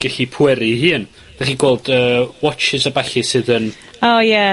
gellu pweru 'i hun. 'Dych chi'n gweld yy watches a ballu sydd yn... O Ie.